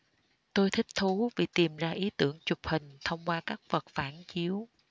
tôi thích thú vì tìm ra ý tưởng chụp hình thông qua các vật phản chiếu